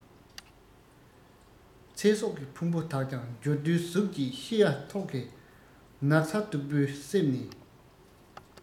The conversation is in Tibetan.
ཚེ སྲོག གི ཕུང པོ དག ཀྱང འགྱུར རྡོའི གཟུགས ཀྱིས ཤི ཡ ཐོག གི ནགས ཚལ སྟུག པོའི གསེབ ནས